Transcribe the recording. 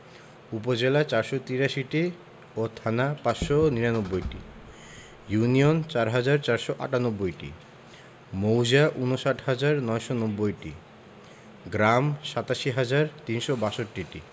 উপজেলা ৪৮৩টি ও থানা ৫৯৯টি ইউনিয়ন ৪হাজার ৪৯৮টি মৌজা ৫৯হাজার ৯৯০টি গ্রাম ৮৭হাজার ৩৬২টি